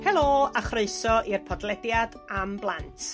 Helo a chroeso i'r podlediad Am Blant.